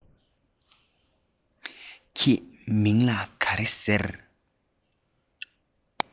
ཁྱེད མིང ལ གང ཟེར